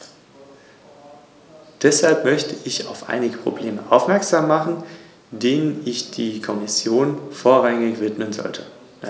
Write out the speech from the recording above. Im Hinblick auf diese Umsetzung müssen wir außerdem angemessene Vereinbarungen mit den osteuropäischen Ländern treffen, da sie erst ab 1. Juli 2001, also in anderthalb Jahren, den entsprechenden Übereinkommen beitreten werden.